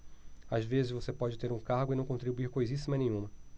às vezes você pode ter um cargo e não contribuir coisíssima nenhuma